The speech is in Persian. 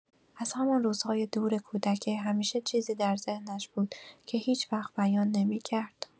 از همان روزهای دور کودکی، همیشه چیزی در ذهنش بود که هیچ‌وقت بیان نمی‌کرد.